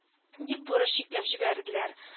Дип бурыч йөкләп җибәрделәр